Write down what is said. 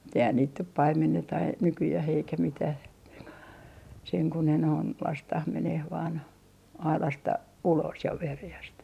mutta eihän niitä nyt paimenneta - nykyään eikä mitään kun sen kuin ne noin lasketaan menemään vain aidasta ulos ja veräjästä